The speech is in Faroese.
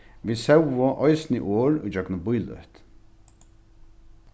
vit sóu eisini orð ígjøgnum bíløt